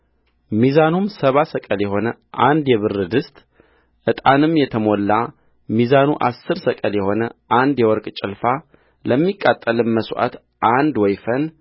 ሚዛኑም ሰባ ሰቅል የሆነ አንድ የብር ድስትዕጣንም የተሞላውን ሚዛኑ አሥር ሰቅል የሆነ አንድ የወርቅ ጭልፋለሚቃጠልም መሥዋዕት አንድ ወይፈን